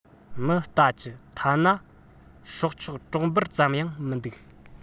མི ལྟ ཅི ཐ ན སྲོག ཆགས གྲོག སྦུར ཙམ ཡང མི འདུག